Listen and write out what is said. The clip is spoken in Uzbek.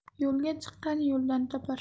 yo'lga chiqqan yo'ldan topar